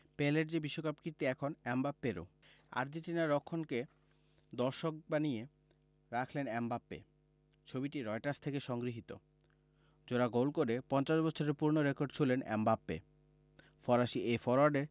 পেলের যে বিশ্বকাপ কীর্তি এখন এমবাপ্পেরও আর্জেন্টিনার রক্ষণকে দর্শক বানিয়ে রাখলেন এমবাপ্পে ছবিটি রয়টার্স থেকে সংগৃহীত জোড়া গোল করে ৫০ বছরে পুরোনো রেকর্ড ছুঁলেন এমবাপ্পে ফরাসি এই ফরোয়ার্ডের